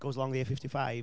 Goes along the A55.